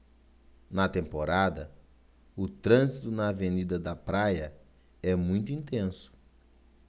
na temporada o trânsito na avenida da praia é muito intenso